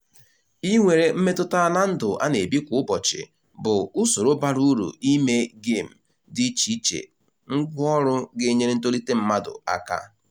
I nwere mmetụta na ndụ a na-ebi kwa ụbọchị bụ usoro bara uru ime gem dị icheiche ngwaọrụ ga-enyere ntolite mmadụ aka.